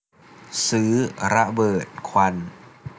ซื้อระเบิดควัน